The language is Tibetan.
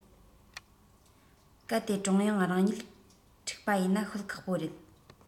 གལ ཏེ ཀྲུང དབྱང རང གཉིད འཁྲུག པ ཡིན ན ཤོད ཁག པོ རེད